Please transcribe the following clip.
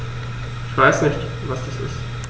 Ich weiß nicht, was das ist.